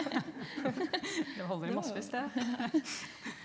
det holder i massevis det .